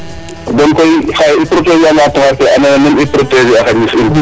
Bon koy xaye i protéger anga taxar ke anda yee meme i proteger a xa ñis in.